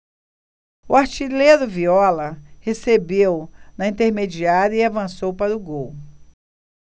o artilheiro viola recebeu na intermediária e avançou para o gol